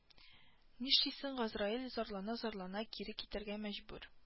Нишлисен газраил зарлана-зарлана кире китәргә мәҗбүр